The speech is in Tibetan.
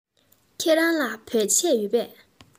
ཁྱེད རང ལ བོད ཆས ཡོད པས